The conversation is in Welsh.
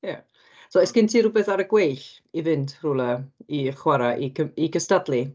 Ia, so oes gen ti rywbeth ar y gweill i fynd, rywle i chwarae, i cy- i cystadlu?